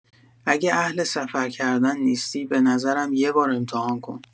اگه اهل سفر کردن نیستی، به نظرم یه بار امتحان کن.